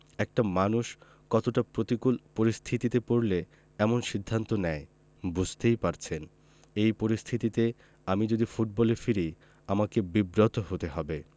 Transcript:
একটা মানুষ কতটা প্রতিকূল পরিস্থিতিতে পড়লে এমন সিদ্ধান্ত নেয় বুঝতেই পারছেন এই পরিস্থিতিতে আমি যদি ফুটবলে ফিরি আমাকে বিব্রত হতে হবে